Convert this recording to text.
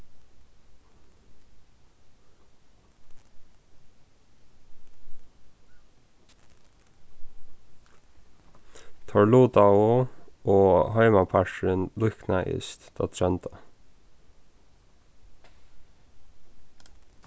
teir lutaðu og heimaparturin líknaðist tá trónda